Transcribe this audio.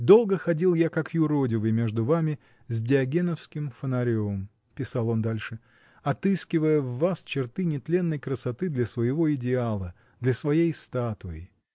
Долго ходил я, как юродивый, между вами с диогеновским фонарем, — писал он дальше, — отыскивая в вас черты нетленной красоты для своего идеала, для своей статуи!